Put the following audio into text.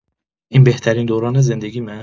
این بهترین دوران زندگیمه؟